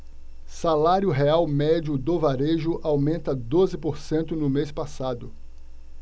salário real médio do varejo aumenta doze por cento no mês passado